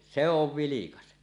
se on vilkas